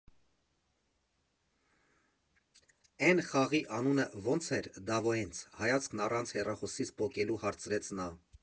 Էն խաղի անունը ո՞նց էր, Դավոյենց, ֊ հայացքն առանց հեռախոսից պոկելու հարցրեց նա։